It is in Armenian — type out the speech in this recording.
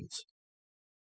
Ինձ։